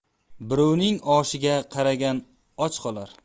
birovning oshiga qaragan och qolar